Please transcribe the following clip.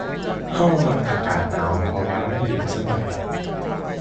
เรามักอากาศหนาว เพราะว่ามันเย็นสำบาย